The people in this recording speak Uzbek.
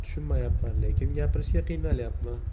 tushunayapman lekin gapirishga qiynalayapman